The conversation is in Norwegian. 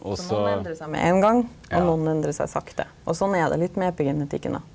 så nokon endrar seg med ein gong og nokon endrar seg sakte, og sånn er det litt med epigenetikkene då.